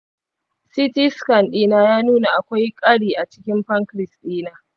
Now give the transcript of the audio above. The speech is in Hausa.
ct scan dina ya nuna akwai ƙari a cikin pancreas dina.